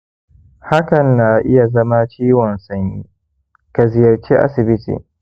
hakan na iya zama ciwon sanyi, ka ziyarci asibiti